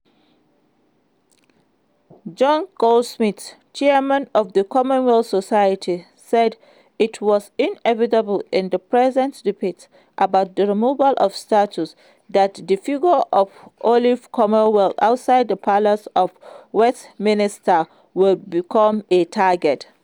John Goldsmith, chairman of the Cromwell Society, said: "It was inevitable in the present debate about the removal of statues that the figure of Oliver Cromwell outside the Palace of Westminster would become a target.